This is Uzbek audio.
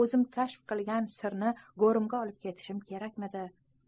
o'zim kashf qilgan sirni go'rim ga olib ketishim kerakmidi